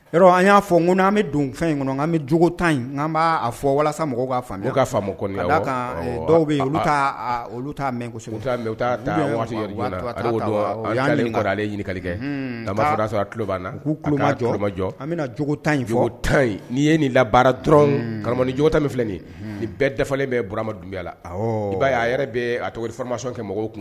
An y'a fɔ ko n'an bɛ don fɛn in kɔnɔ an tan b'a fɔ walasa dɔw ale ɲininkali kɛ sɔrɔlo labajɔ an bɛ tan tan nii ye nin la dɔrɔn kara ni cogo ta filɛ nin bɛɛ dafalen bɛ bura ma dun la ba y'a yɛrɛ bɛ a cogoma sɔn kɛ mɔgɔw kun